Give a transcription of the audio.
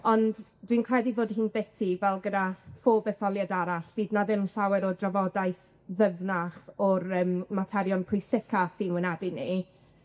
Ond dwi'n credu bod hi'n biti, fel gyda phob etholiad arall, fydd na ddim llawer o drafodaeth ddyfnach o'r yym materion pwysica sy'n wynebu ni,